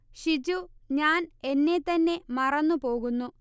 ഷിജു ഞാൻ എന്നെ തന്നെ മറന്നു പോകുന്നു